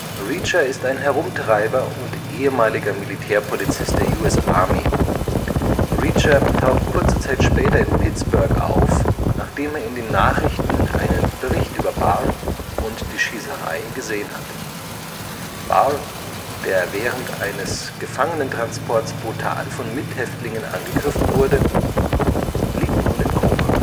Reacher ist ein Herumtreiber und ehemaliger Militärpolizist der US Army. Reacher taucht kurze Zeit später in Pittsburgh auf, nachdem er in den Nachrichten einen Bericht über Barr und die Schießerei gesehen hat. Barr, der während eines Gefangenentransports brutal von Mithäftlingen angegriffen wurde, liegt nun im Koma